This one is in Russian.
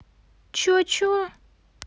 че че